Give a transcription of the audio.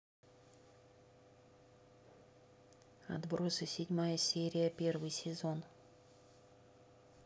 отбросы седьмая серия первый сезон